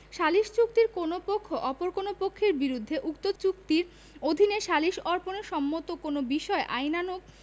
সালিস চুক্তির কোন পক্ষ অপর কোন পক্ষের বিরুদ্ধে উক্ত চুক্তির অধীনৈ সালিস অর্পণে সম্মত কোন বিষয়ে আইনানুগ